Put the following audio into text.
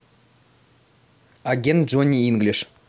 агент джони инглиш